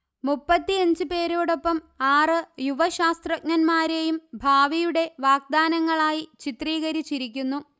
മുപ്പത്തിയഞ്ച് പേരോടൊപ്പം ആറ് യുവശാസ്ത്രജ്ഞന്മാരെയും ഭാവിയുടെ വാഗ്ദാനങ്ങളായി ചിത്രീകരിച്ചിരിക്കുന്നു